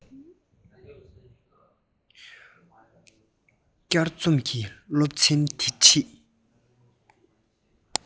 བསྒྱུར རྩོམ གྱི སློབ ཚན དེ ཁྲིད